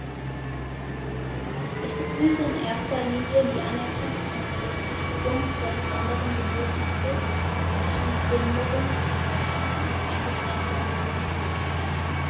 Ich begrüße in erster Linie die Anerkennung und Berücksichtigung der besonderen Bedürfnisse von Menschen mit Behinderung und Menschen mit eingeschränkter Mobilität.